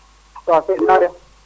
waaw Seydou na nga def